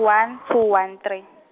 one two one three.